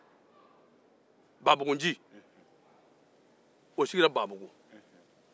baabugu nci sigira baabugu